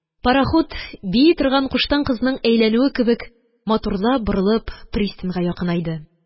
Парахут, бии торган куштан кызның әйләнүе кебек матурлап борылып, пристаньга якынайды.